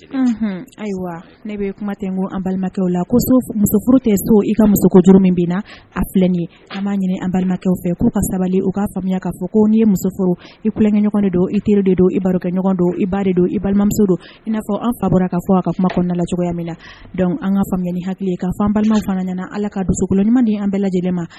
Unhun ayiwa ne bɛ kuma tɛ ko an balimakɛw la ko musooro tɛ so i ka muso ko duuruuru min bɛ na anen ye an m'a ɲini an balimakɛw fɛ k' ka sabali u k'a faamuya k'a fɔ ko n' ye muso furu i tilenkɛɲɔgɔn de don i teri de don ibakɛ ɲɔgɔn don i b ba de don i balimamuso don i n'a fɔ an fa bɔra'a fɔ a ka kuma kɔnɔna na la cogoya min na dɔnku an ka faamuya ni hakili ka fɔan balima fana ɲɛna ala k ka don sokolo ɲuman an bɛɛ lajɛlen ma